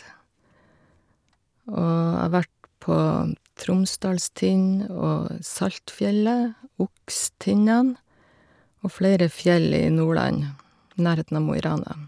Og jeg har vært på Tromsdalstind, og Saltfjellet, Okstindan, og flere fjell i Nordland, nærheten av Mo i Rana.